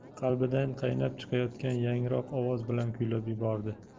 qalbidan qaynab chiqayotgan yangroq ovoz bilan kuylab yubordi